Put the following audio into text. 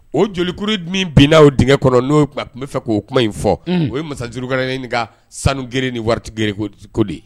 O jolikuru min bin n'aw denkɛ kɔnɔ n'o tun bɛa fɛ k'o kuma in fɔ o ye masajurukrɛnnen ka sanu g ni waritigiko de ye